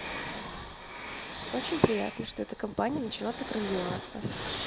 очень приятно что эта компания начала так развиваться